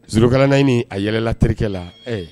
Surukala naaniɲini a yɛlɛla terikɛ la ɛ